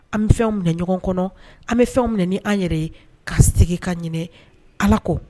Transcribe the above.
An bɛ fɛnw minɛ ɲɔgɔn kɔnɔ an bɛ fɛnw minɛ ni an yɛrɛ ye k'a segin ka ɲini allah kɔ.